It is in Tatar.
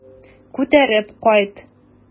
Күтәреп кайт.